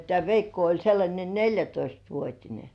tämä Veikko oli sellainen neljätoistavuotinen